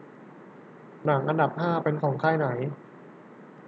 หนังอันดับห้าเป็นของค่ายไหน